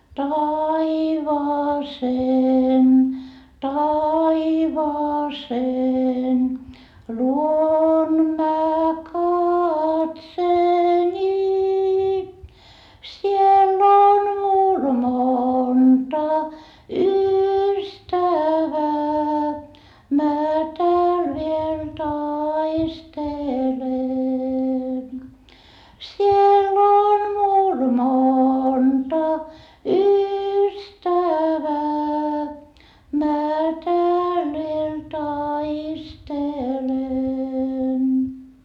taivaaseen taivaaseen luon minä katseeni siellä on minulla monta ystävää minä täällä vielä taistelen siellä on minulla monta ystävää minä täällä vielä taistelen